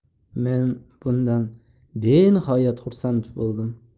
men bundan benihoyat xursand bo'ldim